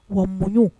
Wa muɲun